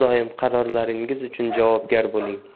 doim qarorlaringiz uchun javobgar bo'ling